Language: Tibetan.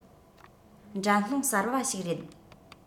འགྲན སློང གསར བ ཞིག རེད